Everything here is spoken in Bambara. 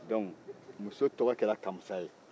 o la muso tɔgɔ kɛra kamisa ye